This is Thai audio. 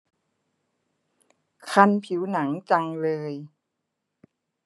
คันผิวหนังจังเลย